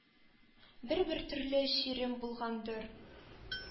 Бер-бер төрле чирем булгандыр,